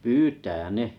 pyytää ne